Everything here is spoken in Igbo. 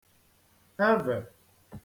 evè